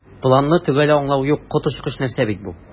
"планны төгәл аңлау юк, коточкыч нәрсә бит бу!"